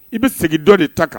I bɛ segin dɔ de ta kan